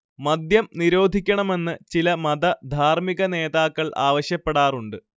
മദ്യം നിരോധിക്കണമെന്ന് ചില മത ധാർമ്മികനേതാക്കൾ ആവശ്യപ്പെടാറുണ്ട്